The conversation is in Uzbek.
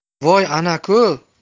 voy ana ku